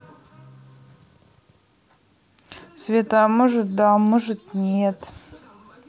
света а может да может нет